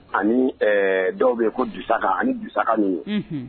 Ani dɔw bɛ yen ko dususakan ani dususaka nin ye